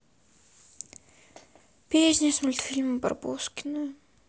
песня из мультфильма барбоскины